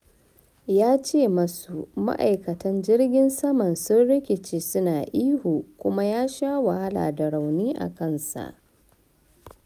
Yace masu ma’aikatan jirgin saman sun rikice su na ihu, kuma ya sha wahala da rauni a kansa.